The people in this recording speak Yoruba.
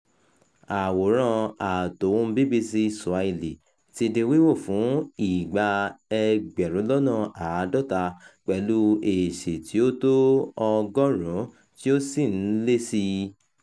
Àwòrán-àtohùn-un BBC Swahili ti di wíwò fún ìgbà 50,000 pẹ̀lú èsì tí ó tó 100 tí ó sì ń lé sí í.